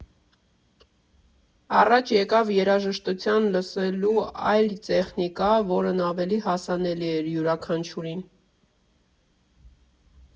Առաջ եկավ երաժշտություն լսելու այլ տեխնիկա, որն ավելի հասանելի էր յուրաքանչյուրին։